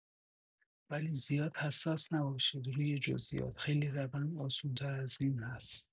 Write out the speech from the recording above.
ولی زیاد حساس نباشید روی جزئیات، خیلی روند آسون‌تر از این هست.